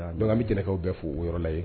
Donc an bɛ Jɛnɛkaw bɛɛ fɔ o yɔrɔ la yen